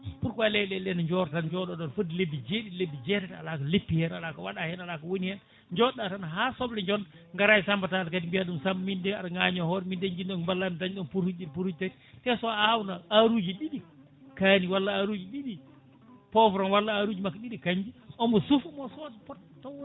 pourquoi leyɗele ɗe ne joora tan joɗoɗo fodde lebbi jeɗiɗi lebbi jeetati ala ko leppi hen ala ko waɗa hen ala ko woni hen joɗoɗa tan ha soble jonta gara e Samba Tall kadi mbiya ɗum Samba min de aɗa ngaño hoore min de jinnomi ko ballami mi daña ɗon potuji ɗiɗi potuji tati te so awno aruji ɗiɗi kaani walla aruji ɗiɗi poivron walla aruji makko ɗiɗi kanjje omo suufa mom sood poot taw